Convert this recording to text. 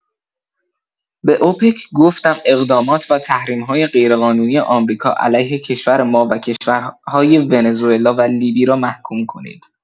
به اوپک گفتم اقدامات و تحریم‌های غیرقانونی آمریکا علیه کشور ما و کشورهای ونزوئلا و لیبی را محکوم کنید.